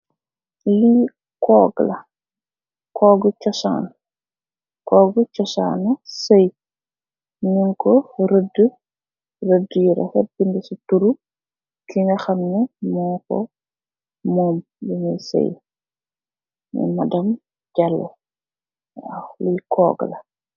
Li kog la, kogu chosan. Kogu chosanu sai. Nyug ko radi, radi yu rafet, binda si turu ki nga hamneh moko mom mugi sai mom, Madam Jallow. Waaw, li kog la.